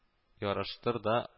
Яраштырда